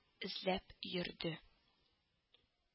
Эзләп йөрде